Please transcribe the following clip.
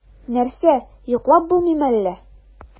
Нәрсә, йоклап булмыймы әллә?